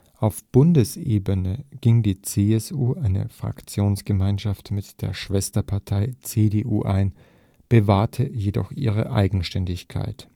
Auf Bundesebene ging die CSU eine Fraktionsgemeinschaft mit der Schwesterpartei CDU ein, bewahrte jedoch ihre Eigenständigkeit